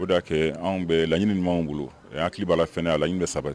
O bɛ daa kɛ anw bɛɛ laɲiniini ɲumanw bolo' hakili b'a fɛ a la in bɛ saba